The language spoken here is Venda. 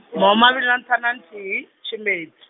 mahumimavhili na nthanu na nthihi, tshimedzi.